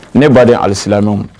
Ne ba de alisila nɔw